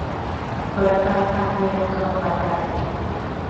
เปิดไฟทางเดินตรงบันได